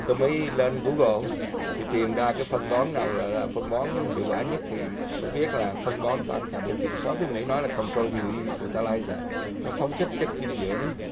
tôi mới lên gu gồ thì tìm ra cái phân bón nào gọi là cái phân bón hiệu quả nhất thì mới biết là phân bón tan chậm kiểm soát với mỹ nói là còn trô vì ly vì ta lai dờ nó phóng thích chất dinh dưỡng